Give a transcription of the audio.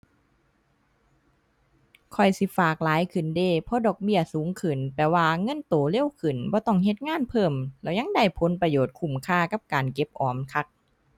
ข้อยสิฝากหลายขึ้นเดะเพราะดอกเบี้ยสูงขึ้น แปลว่าเงินโตเร็วขึ้น บ่ต้องเฮ็ดงานเพิ่ม แล้วยังได้ผลประโยชน์คุ้มค่ากับการเก็บออมคัก